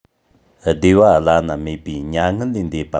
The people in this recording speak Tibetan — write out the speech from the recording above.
བདེ བ བླ ན མེད པའི མྱ ངན ལས འདས པ